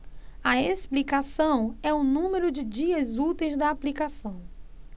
a explicação é o número de dias úteis da aplicação